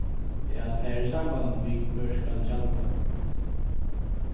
ja tað er í samband við hvør skal gjalda